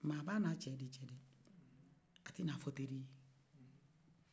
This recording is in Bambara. mɛ a b'a n'a cɛ de cɛ dɛ a te n'a f''a teri ye